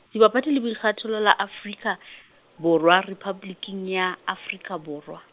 Dipapadi le Boikgathollo la Afrika , Borwa Rephaboliki ya Afrika Borwa.